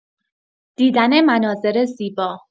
دیدن مناظر زیبا